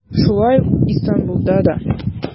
Шулай ук Истанбулда да.